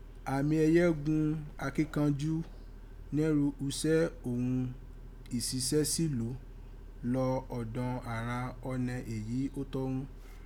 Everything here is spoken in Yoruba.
Àmì ẹ̀yẹ̀ẹ̀ guún akíkanjú nẹ́ru uṣẹ́ òghun ìṣiṣẹ́sílúú lọ ọ̀dọ̀n àghan ọnẹ èyí ó tọ́ ghún.